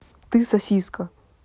ты сосиска